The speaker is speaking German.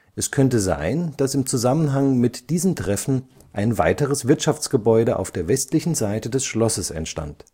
Es könnte sein, dass im Zusammenhang mit diesem Treffen ein weiteres Wirtschaftsgebäude auf der westlichen Seite des Schlosses entstand